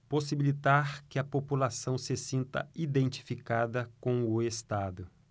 possibilitar que a população se sinta identificada com o estado